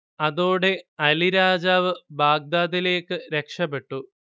അതോടെ അലി രാജാവ് ബാഗ്ദാദിലേക്ക് രക്ഷപെട്ടു